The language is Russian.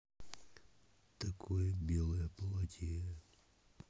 так белое платье